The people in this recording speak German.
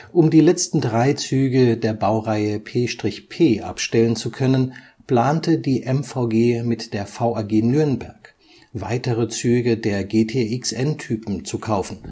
Um die letzten drei Züge der Baureihe P/p abstellen zu können, plante die MVG mit der VAG Nürnberg weitere Züge der GTxN-Typen zu kaufen